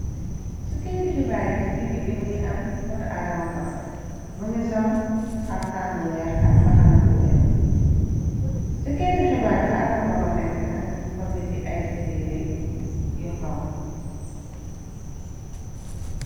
Ci kayetu heebar yi ci digi bi mungi am photo Adama Barrow. Mungi sol haftaan bu weeh ak mbahana bu weeh. Ci kayetu heebar bi fu Adama Barrow nekk nak nung fa bindi ay bindi yu rëy yu honku.